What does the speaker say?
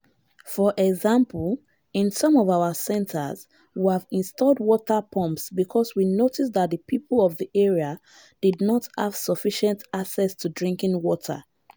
For example, in some of our centers, we have installed water pumps because we noticed that the people of the area did not have sufficient access to drinking water.